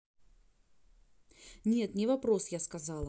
нет не вопрос я сказала